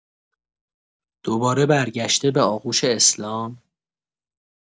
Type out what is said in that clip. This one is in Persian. دوباره برگشته به آغوش اسلام؟